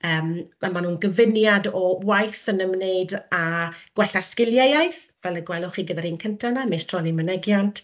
yym a maen nhw'n gyfyniad o waith yn ymwneud â gwella sgiliau iaith, fel y gwelwch chi gyda'r un cyntaf 'na, meistroli mynegiant,